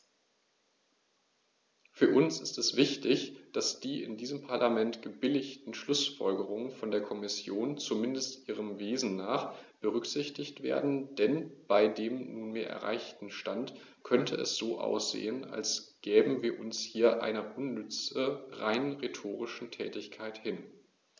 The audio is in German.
Für uns ist es wichtig, dass die in diesem Parlament gebilligten Schlußfolgerungen von der Kommission, zumindest ihrem Wesen nach, berücksichtigt werden, denn bei dem nunmehr erreichten Stand könnte es so aussehen, als gäben wir uns hier einer unnütze, rein rhetorischen Tätigkeit hin.